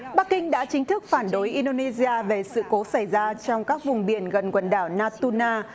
bắc kinh đã chính thức phản đối in đô nê si a về sự cố xảy ra trong các vùng biển gần quần đảo na tu na